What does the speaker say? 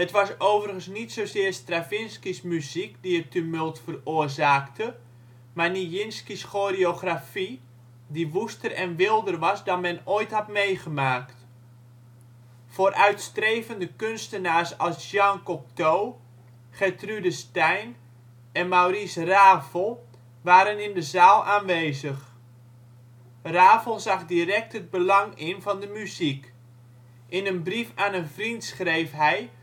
was overigens niet zozeer Stravinsky 's muziek die het tumult veroorzaakte, maar Nijinsky 's choreografie, die woester en wilder was dan men ooit had meegemaakt. Vooruitstrevende kunstenaars als Jean Cocteau, Gertrude Stein en Maurice Ravel waren in de zaal aanwezig. Ravel zag direct het belang in van de muziek. In een brief aan een vriend schreef hij